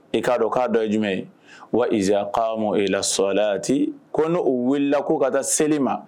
I k'a dɔn k'a dɔ ye jumɛn ye waa'a mɔn e lasɔlati ko n' u wulila k'u ka taa seli ma